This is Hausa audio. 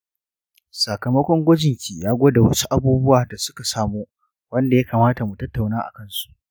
sakamakon gwajin ki ya gwada wasu abubuwa da muka samo wanda ya kamata mu tattauna akansu.